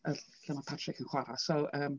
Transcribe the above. Yy lle mae Patrick yn chwarae, so yym...